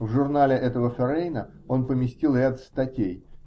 в журнале этого ферейна он поместил ряд статей.